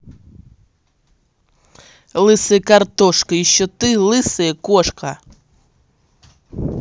лысая картошка еще ты лысая кошка